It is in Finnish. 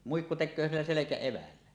muikku tekee sillä selkäevällä